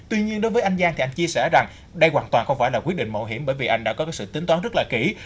tuy nhiên đối với anh giang thì anh chia sẻ rằng đây hoàng toàn không phải là quyết định mạo hiểm bởi vì anh đã có sự tính toán rất là kỹ